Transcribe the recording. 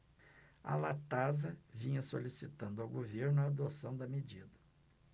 a latasa vinha solicitando ao governo a adoção da medida